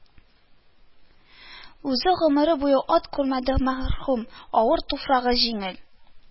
Үзе гомере буе ат күрмәде мәрхүм, авыр туфрагы җиңел